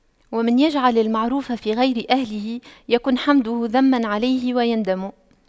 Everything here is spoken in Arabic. ومن يجعل المعروف في غير أهله يكن حمده ذما عليه ويندم